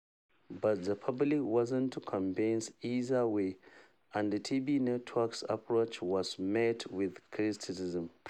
But the public wasn’t convinced either way, and the TV network's approach was met with criticism.